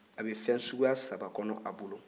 a bɛ fɛn suguya saba kɔnɔ a bolo